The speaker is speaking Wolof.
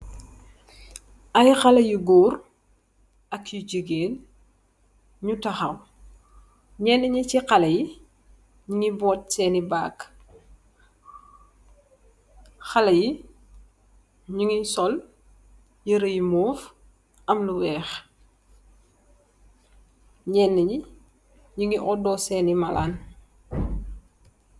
Ay xale yu goor ak yu jigeen nyu taxaw, nyene nyi si xale yi boot senni bak, xale yi nyingi sol yere yu mof am lu weex, nyene nyi nyingi oodo senni malaan